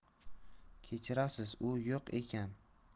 kechirasiz u yo'q ekan